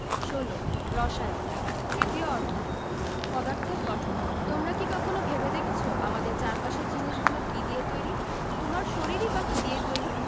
১৬ রসায়ন তৃতীয় অধ্যায় পদার্থের গঠন তোমরা কি কখনো ভেবে দেখেছ আমাদের চারপাশের জিনিসগুলো কী দিয়ে তৈরি তোমার শরীরই বা কী দিয়ে তৈরি